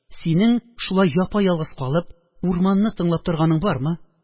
– синең, шулай япа-ялгыз калып, урманны тыңлап торганың бармы?